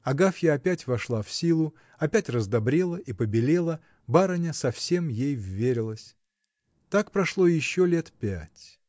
Агафья опять вошла в силу, опять раздобрела и побелела барыня совсем ей вверилась. Так прошло еще лет пять.